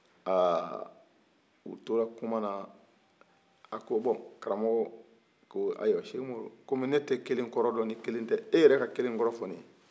ahh u tora kumana a ko bon karamɔgɔ ko komi ne tɛ kelen kɔrɔ dɔn ni kelen tɛ i yɛrɛ ka kelen kɔrɔfɔ n ye